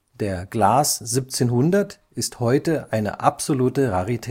Der Glas 1700 ist heute eine absolute Rarität